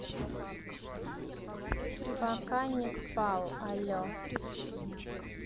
пока не спал алле